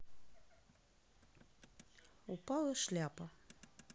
упала шляпа